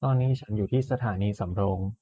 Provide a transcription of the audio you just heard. ตอนนี้ฉันอยู่ที่สถานีสำโรง